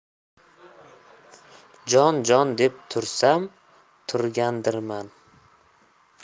jon jon deb tursam turgandirman